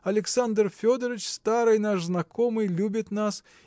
Александр Федорыч старый наш знакомый любит нас